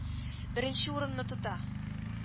— беренче урынны тота